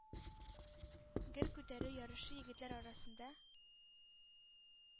Гер күтәрү ярышы егетләр арасында